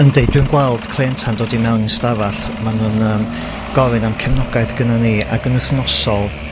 Yndi dwi'n gweld cleienta'n dod i mewn i'n stafall, ma' nw'n yym, gofyn am cefnogaeth gynno ni ag yn wthnosol